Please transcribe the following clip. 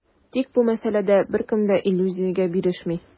Тик бу мәсьәләдә беркем дә иллюзиягә бирелми.